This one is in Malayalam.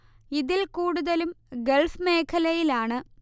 ഇതിൽ കൂടുതലും ഗൾഫ് മേഖലയിലാണ്